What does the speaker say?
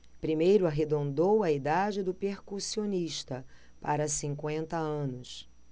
primeiro arredondou a idade do percussionista para cinquenta anos